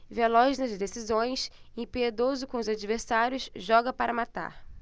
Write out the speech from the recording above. veloz nas decisões impiedoso com os adversários joga para matar